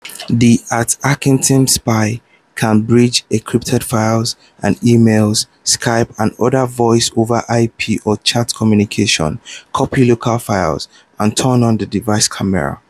2- The @hackingteam spyware can breach encrypted files and emails, Skype and other Voice over IP or chat communication, copy local files and turn on the device camera.